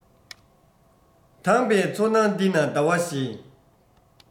དྭངས པའི མཚོ ནང འདི ན ཟླ བ ཞེས